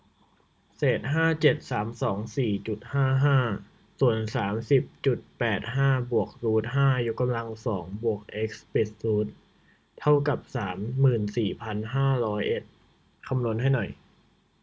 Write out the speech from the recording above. เศษห้าเจ็ดสามสองสี่จุดห้าห้าส่วนสามสิบจุดแปดห้าบวกรูทห้ายกกำลังสองบวกเอ็กซ์ปิดรูทเท่ากับสามหมื่นสี่พันห้าร้อยเอ็ดคำนวณให้หน่อย